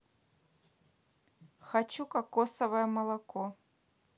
хочу кокосовое молоко